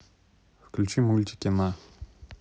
включи мультики на